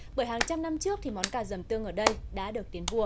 bởi hàng trăm năm trước thì món cà dầm tương ở đây đã được tiến vua